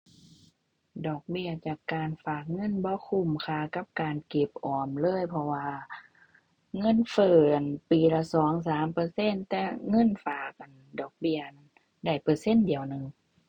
ดอกเบี้ยจากการฝากเงินบ่คุ้มค่ากับการเก็บออมเลย เพราะว่าเงินเฟ้อ อั่น ปีละสองสามเปอร์เซ็นต์ แต่เงินฝาก อั่น ดอกเบี้ย อั่น ได้เปอร์เซ็นต์เดียวหนึ่ง